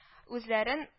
Үзләрен